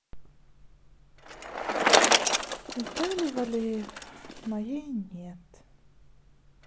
виталий валеев моей нет